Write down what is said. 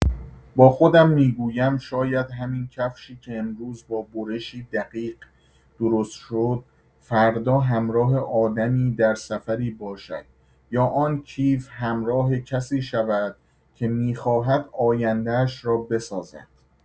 با خودم می‌گویم شاید همین کفشی که امروز با برشی دقیق درست شد، فردا همراه آدمی در سفری باشد یا آن کیف همراه کسی شود که می‌خواهد آینده‌اش را بسازد.